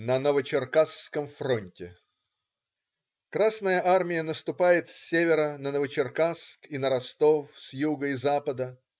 На Новочеркасском фронте Красная армия наступает с севера на Новочеркасск и на Ростов с юга и запада.